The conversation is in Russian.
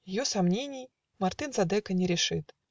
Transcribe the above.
Ее сомнений Мартын Задека не решит